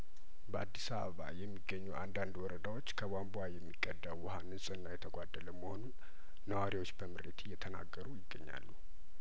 በአዲስ አበባ የሚገኙ አንዳንድ ወረዳዎች ከቧንቧ የሚቀዳው ውሀንጽህና የተጓደለመሆኑን ነዋሪዎች በምሬት እየተናገሩ ይገኛሉ